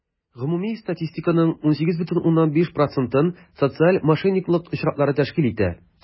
Гомуми статистиканың 18,5 процентын социаль мошенниклык очраклары тәшкил итә.